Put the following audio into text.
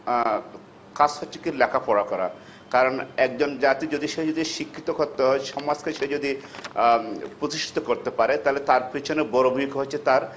কাজ হচ্ছে কি লেখাপড়া করা কারন একজন জাতি যদি সে যদি শিক্ষিত করতে হয় সমাজকে সে যদি প্রতিষ্ঠিত করতে পারে তাহলে তার পেছনে বড় ভূমিকা হচ্ছে তার